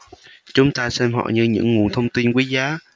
chúng ta xem họ như những nguồn thông tin quý giá